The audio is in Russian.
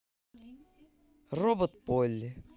робот полли